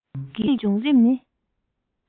རྩོམ རིག གི བྱུང རིམ ནི